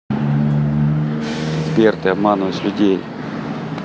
сбер ты обманываешь людей